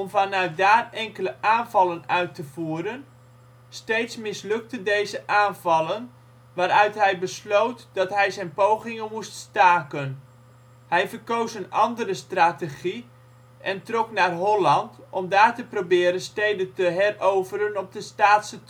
vanuit daar enkele aanvallen uit te voeren. Steeds mislukten zijn aanvallen, waaruit hij besloot, dat hij zijn pogingen moest staken. Hij verkoos een andere strategie en trok naar Holland, om daar te proberen steden te heroveren op de Staatse